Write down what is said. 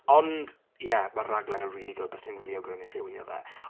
Ond ie ma'r rhaglen yn really good. Bysen i'n rili awgrymu i chi wylio fe.